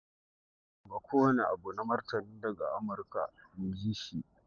"Amma, ba mu ga kowane abu na martani daga Amurka,” inji shi.